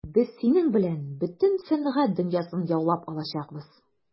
Без синең белән бөтен сәнгать дөньясын яулап алачакбыз.